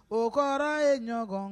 O kɔrɔ ye ɲɔgɔn kɔnɔ